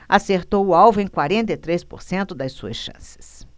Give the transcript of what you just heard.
acertou o alvo em quarenta e três por cento das suas chances